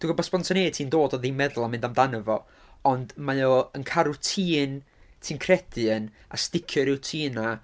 Dwi'n gwbod bod spontaneity yn dod o ddim meddwl a mynd amdano fo, ond mae o yn cael routine ti'n credu yn, a sticio i routine 'na.